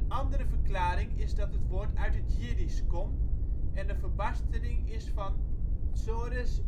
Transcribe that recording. andere verklaring is dat het woord uit het Jiddisch komt, en een verbastering is van Zóres